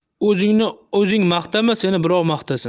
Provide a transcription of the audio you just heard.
o'zingni o'zing maqtama seni birov maqtasin